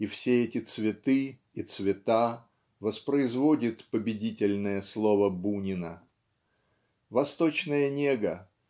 и все эти цветы и цвета воспроизводит победительное слово Бунина. Восточная нега